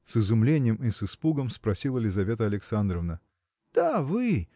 – с изумлением и с испугом спросила Лизавета Александровна. – Да, вы!